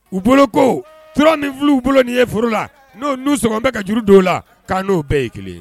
U bolo ko tura min filɛ ni y'u bolo ni ye foro la n'o nun sɔgɔlen bɛ ka juru don a la k'an n'o bɛɛ ye kelen ye.